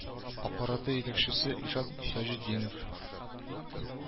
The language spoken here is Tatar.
Аппараты итәкчесе Илшат Таҗетдинов